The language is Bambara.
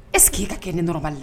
Eseke k' i ka kɛ nerɔ la